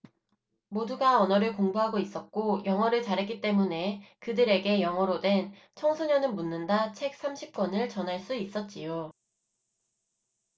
모두가 언어를 공부하고 있었고 영어를 잘했기 때문에 그들에게 영어로 된 청소년은 묻는다 책 삼십 권을 전할 수 있었지요